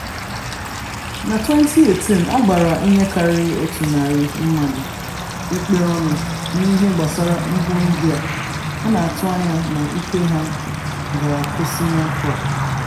Na 2018, a gbara ihe karịrị otu narị mmadụ ikpe ọnụ n'ihe gbasara mpụ ndị a. A na-atụ anya na ikpe ha ga-akwụsị n'afọ a.